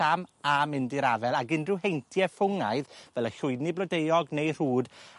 am a mynd i'r afel ag unrhyw heintie ffwngaidd fel y llwydni blodeuog neu rhwd